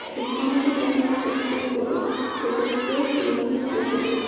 yigitali aka davronni ichkariga uzatgach mashinaga o'tirdi